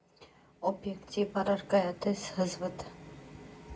Օբյեկտիվ, առարկայատես, հզվդ.